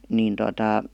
niin tuota